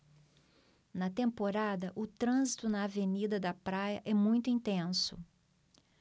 na temporada o trânsito na avenida da praia é muito intenso